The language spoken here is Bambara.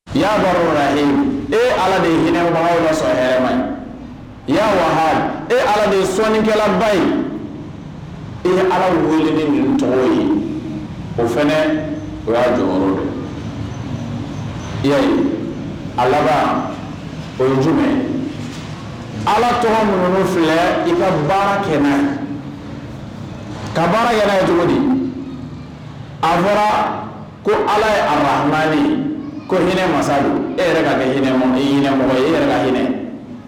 'a e e ala de hinɛ wa ma sɔrɔ yɛrɛma ye y ya waha e ala de ye fɔnikɛlalaba in e ala wele nin tɔgɔ ye o fana o y'a jɔyɔrɔ ya a laban o ye su mɛn ala tɔgɔ ŋ filɛ i ka baara kɛ ka baara yɛrɛ ye cogo di a fɔra ko ala ye ahama ko hinɛ masadu e yɛrɛ kɛ hinɛ e hinɛ e ka hinɛ